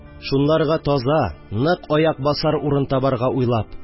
Шунларга таза, нык аяк басар урын табарга уйлап